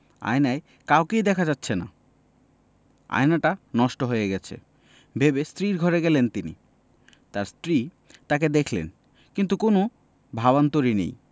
আয়নায় কাউকেই দেখা যাচ্ছে না আয়নাটা নষ্ট হয়ে গেছে ভেবে স্ত্রীর ঘরে গেলেন তিনি তাঁর স্ত্রী তাঁকে দেখলেন কিন্তু কোনো ভাবান্তর নেই